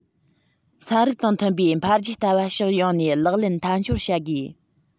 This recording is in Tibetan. ཚན རིག དང མཐུན པའི འཕེལ རྒྱས ལྟ བ ཕྱོགས ཡོངས ནས ལག ལེན མཐའ འཁྱོལ བ བྱ དགོས